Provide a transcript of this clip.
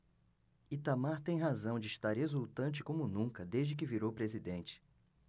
itamar tem razão de estar exultante como nunca desde que virou presidente